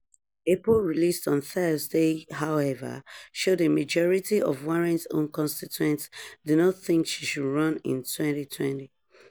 A poll released on Thursday, however, showed a majority of Warren's own constituents do not think she should run in 2020.